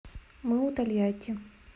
мы у тольятти